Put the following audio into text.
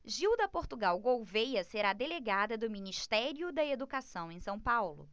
gilda portugal gouvêa será delegada do ministério da educação em são paulo